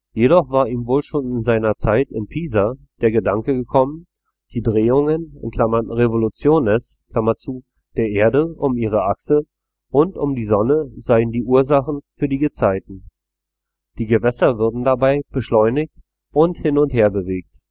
Jedoch war ihm wohl schon in seiner Zeit in Pisa der Gedanke gekommen, die Drehungen (revolutiones) der Erde um ihre Achse und um die Sonne seien die Ursache für die Gezeiten: „ die Gewässer würden dabei beschleunigt und hin - und herbewegt